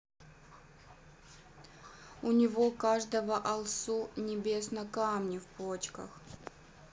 у него каждого алсу небесно камни в почках